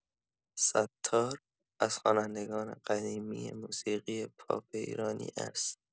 ستار از خوانندگان قدیمی موسیقی پاپ ایرانی است.